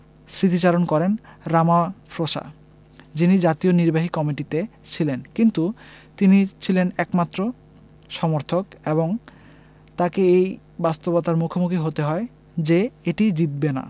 স্মৃতিচারণা করেন রামাফ্রোসা যিনি জাতীয় নির্বাহী কমিটিতে ছিলেন কিন্তু তিনি ছিলেন একমাত্র সমর্থক এবং তাঁকে এই বাস্তবতার মুখোমুখি হতে হয় যে এটি জিতবে না